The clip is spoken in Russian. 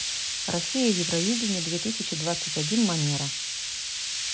россия евровидение две тысячи двадцать один манера